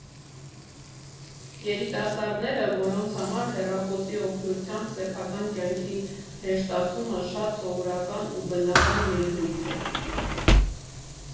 Երիտասարդները, որոնց համար հեռախոսի օգնությամբ սեփակայն կյանքի հեշտացումը շատ սովորական ու բնական երևույթ է։